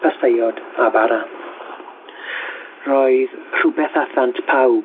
pasteiod a bara. Roedd rhywbeth at ddant pawb